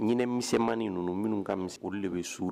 Ɲmisɛnmani ni ninnu minnu ka olu de bɛ su